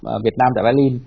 bị